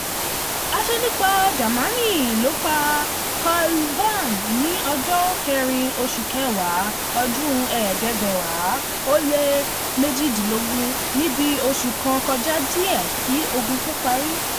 Asọnipa Jamaní ló pa Lt Col Vann ní ọjọ 4 oṣù kẹwàá 1918 - ní bí oṣù kan kọjá díẹ̀ kí ogun tó parí.